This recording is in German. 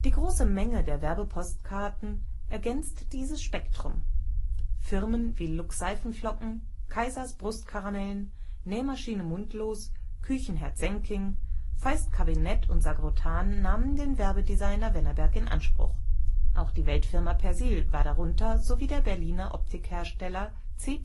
große Menge der Werbepostkarten ergänzten dieses Spektrum. Firmen wie Lux-Seifenflocken, Kaiser’ s Brustkaramellen, Nähmaschine „ Mundlos “, Küchenherd „ Senking “, Feist-Cabinett und Sagrotan nahmen den Werbedesigner Wennerberg in Anspruch. Auch die Weltfirma Persil war darunter sowie der Berliner Optikhersteller C.P.